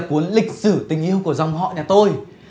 cuốn lịch sử tình yêu của dòng họ nhà tôi